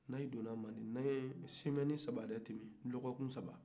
n'aw donna manden n'aw ye semɛni saba latɛmɛ dɔgɔkun saba